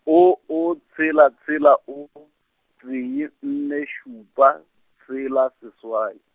oh oh tshela tshela oh, tee nne šupa, tshela seswai.